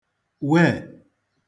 weè